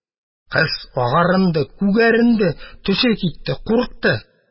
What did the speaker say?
Кыз агарынды, күгәренде, төсе китте. Курыкты